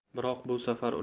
biroq bu safar